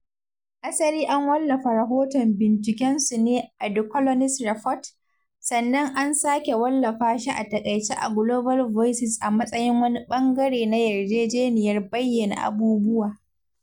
Asali an wallafa rahoton bincikensu ne a The Colonist Report, sannan an sake wallafa shi a taƙaice a Global Voices a matsayin wani ɓangare na yarjejeniyar bayyana abubuwa.